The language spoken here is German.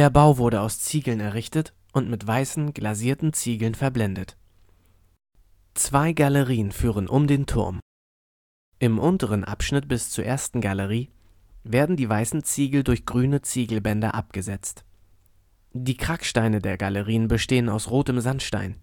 Bau wurde aus Ziegeln errichtet und mit weißen, glasierten Ziegeln verblendet. Zwei Galerien führen um den Turm. Im unteren Abschnitt bis zur ersten Galerie werden die weißen Ziegel durch grüne Ziegelbänder abgesetzt. Die Kragsteine der Galerien bestehen aus rotem Sandstein